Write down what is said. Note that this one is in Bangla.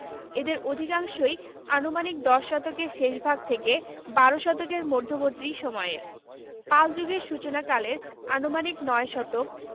এদের অধিকাংশই আনুমানিক দশ শতকের শেষভাগ থেকে বারো শতকের মধ্যবর্তী সময়ের পালযুগের সূচনা কালের আনুমানিক নয় শতক